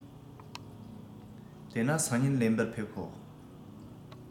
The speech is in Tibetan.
དེ ན སང ཉིན ལེན པར ཕེབས ཤོག